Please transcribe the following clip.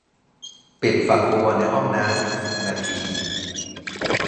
ปิดฝักบัวในห้องน้ำอีกสิบนาที